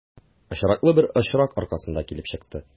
Очраклы бер очрак аркасында килеп чыкты.